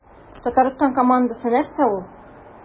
Татарстан командасы нәрсә ул?